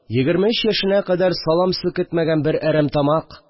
Егерме өч яшенә кадәр салам селкетмәгән бер әрәмтамак